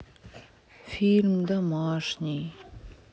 фильм домашний